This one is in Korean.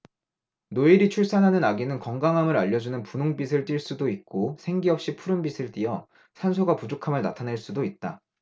노엘이 출산하는 아기는 건강함을 알려 주는 분홍빛을 띨 수도 있고 생기 없이 푸른빛을 띠어 산소가 부족함을 나타낼 수도 있다